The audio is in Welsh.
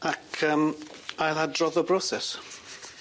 Ac yym ail adrodd y broses.